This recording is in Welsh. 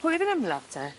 Pwy o'dd yn ymladd te?